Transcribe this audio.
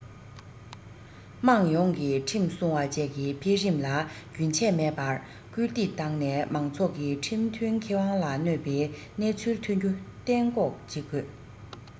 དམངས ཡོངས ཀྱིས ཁྲིམས སྲུང བ བཅས ཀྱི འཕེལ རིམ ལ རྒྱུན ཆད མེད པར སྐུལ འདེད བཏང ནས མང ཚོགས ཀྱི ཁྲིམས མཐུན ཁེ དབང ལ གནོད པའི གནས ཚུལ ཐོན རྒྱུ གཏན འགོག བྱེད དགོས